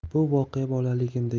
bu voqea bolaligimda